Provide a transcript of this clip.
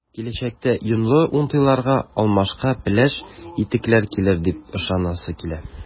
Киләчәктә “йонлы” унтыларга алмашка “пеләш” итекләр килер дип ышанасы килә.